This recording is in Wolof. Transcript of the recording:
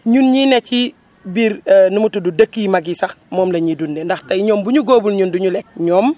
ñun ñii ne ci biir nu mu tudd dëkk yu mag yi sax moom la ñuy dundee ndaxte ñoom bu ñu góobul ñun du ñu lekk ñoom